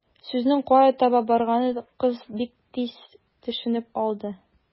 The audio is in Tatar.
Сүзнең кая таба барганын кыз бик тиз төшенеп алды.